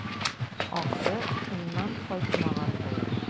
Ахры, шуннан кайтмаган булыр.